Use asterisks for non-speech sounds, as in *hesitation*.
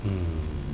*hesitation* *hesitation*